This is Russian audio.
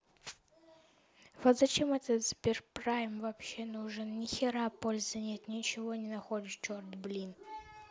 вот зачем этот сберпрайм вообще нужен нихера пользы нет ничего не находишь черт блин